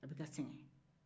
a bɛ ka sɛgɛn